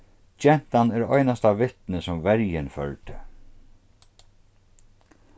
gentan er einasta vitnið sum verjin førdi